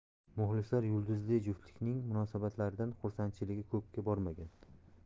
muxlislar yulduzli juftlikning munosabatlaridan xursandchiligi ko'pga bormagan